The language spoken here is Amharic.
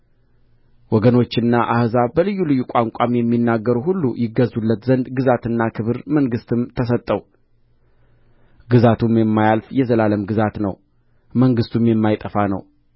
ወገኖችና አሕዛብ በልዩ ልዩ ቋንቋም የሚናገሩ ሁሉ ይገዙለት ዘንድ ግዛትና ክብር መንግሥትም ተሰጠው ግዛቱም የማያልፍ የዘላለም ግዛት ነው መንግሥቱም የማይጠፋ ነው